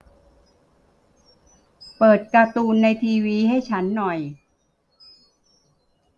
เปิดการ์ตูนในทีวีให้ฉันหน่อย